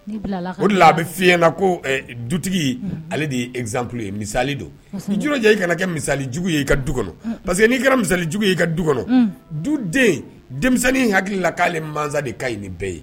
O a bɛ fi na ko dutigi ale de yeantu ye misali don jjɛ i kana kɛ misali ye i ka du kɔnɔ parce que n'i kɛra misalijugu i ka du kɔnɔ duden denmisɛnnin in hakilila k'ale mansa de ka ɲi bɛɛ ye